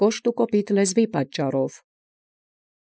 Խոշորագոյն լեզուին՝ դժուարամատոյցք էին։